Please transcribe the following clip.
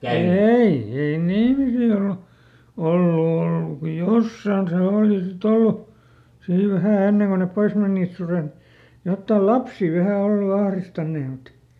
ei ei ne ihmisille - ollut ollut kun jossakin se oli sitten ollut siinä vähän ennen kuin ne pois menivät sudet jotta lapsia vähän ollut ahdistaneet mutta